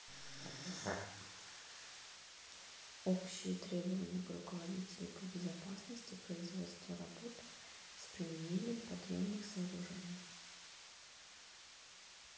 общие требования к руководителю по безопасности производства работ с применением подъемных сооружений